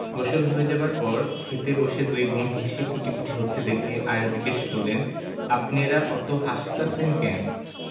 গোসল হয়ে যাবার পর খেতে বসে দুই বোন হেসে কুটিকুটি হচ্ছে দেখে আয়া জিজ্ঞেস করলেন আপনেরা অত হাসতাসেন ক্যান